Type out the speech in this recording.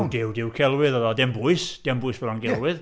Duw duw, celwydd oedd o, dim bwys, dim bwys bod o'n gelwydd.